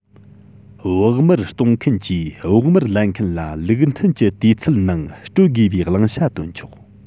བོགས མར གཏོང མཁན གྱིས བོགས མར ལེན མཁན ལ ལུགས མཐུན གྱི དུས ཚད ནང སྤྲོད དགོས པའི བླང བྱ བཏོན ཆོག